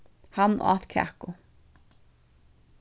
hann át kaku